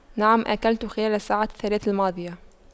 نعم اكلت خلال الساعات الثلاث الماضية